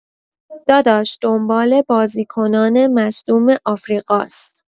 داداش دنبال بازیکنان مصدوم آفریقاس